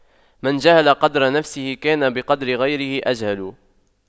من جهل قدر نفسه كان بقدر غيره أجهل